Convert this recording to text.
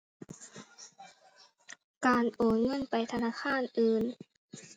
การโอนเงินไปธนาคารอื่น